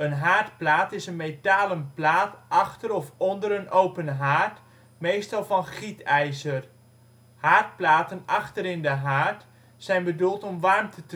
haardplaat is een metalen plaat achter of onder een open haard, meestal van gietijzer. Haardplaten achterin de haard zijn bedoeld om warmte